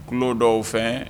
Tulo dɔw fɛ